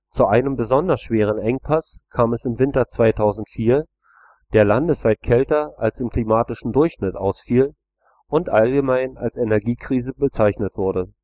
Zu einem besonders schweren Engpass kam es im Winter 2004, der landesweit kälter als im klimatischen Durchschnitt ausfiel und allgemein als Energiekrise bezeichnet wurde